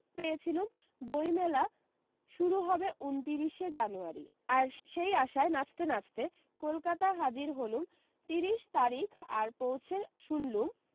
পেয়েছিলুম বইমেলা শুরু হবে উনতিরিশে জানুয়ারি আর সেই আশায় নাচতে নাচতে কলকাতা হাজির হলুম তিরিশ তারিখ আর পৌঁছে শুনলুম